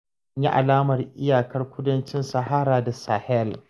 An yi alamar iyakar kudancin Sahara da Sahel